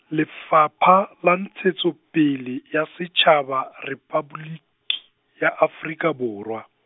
Lefapha, la Ntshetsopele, ya Setjhaba, Rephaboliki, ya Afrika Borwa.